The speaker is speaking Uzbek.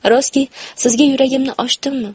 rostki sizga yuragimni ochdimmi